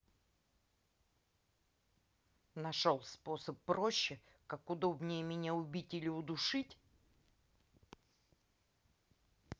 нашел способ проще как удобнее меня убить или удушить